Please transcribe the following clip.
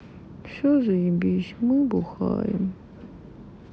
все заебись мы бухаем